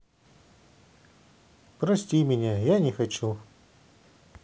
прости меня я не хочу